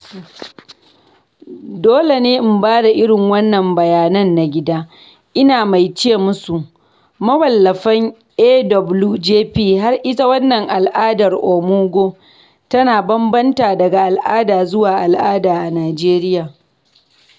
“Dole ne in ba da irin wannan bayanan na gida … Ina mai ce musu [mawallafan AWJP] har ita wannan al’adar omugwo tana bambanta daga al’ada zuwa al’ada a Najeriya.